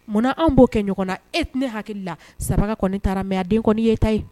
Munna anw b'o kɛ ɲɔgɔn na e tɛna ne hakili la saraka kɔni tamɛya den kɔni ye ta ye